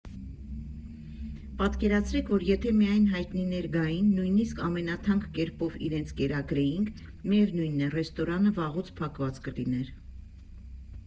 Պատկերացրեք, որ եթե միայն հայտնիներ գային, նույնիսկ ամենաթանկ կերպով իրենց կերակրեինք, միևնույն է՝ ռեստորանը վաղուց փակված կլիներ։